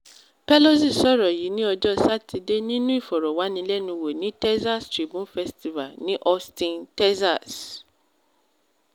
Pelosi sọ̀rọ̀ yí ní ọjọ́ Satidé nínú ìfọ̀rọ̀wánilẹ́nuwò ní Texas Tribune Festival in Austin, Texas.